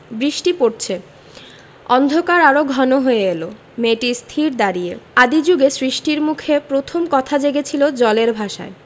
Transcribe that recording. বৃষ্টি পরছে অন্ধকার আরো ঘন হয়ে এল মেয়েটি স্থির দাঁড়িয়ে আদি জুগে সৃষ্টির মুখে প্রথম কথা জেগেছিল জলের ভাষায়